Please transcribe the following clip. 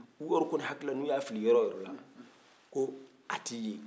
u yɛrɛw kɔni hakilila n'u y'a fili yɔrɔ o yɔrɔ la ko a tɛ ye